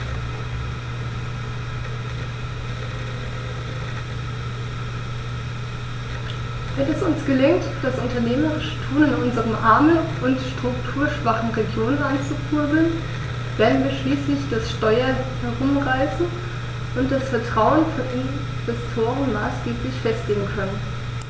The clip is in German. Wenn es uns gelingt, das unternehmerische Tun in unseren armen und strukturschwachen Regionen anzukurbeln, werden wir schließlich das Steuer herumreißen und das Vertrauen von Investoren maßgeblich festigen können.